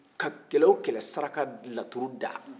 ka kɛlɛ wo kɛlɛ saraka laturu da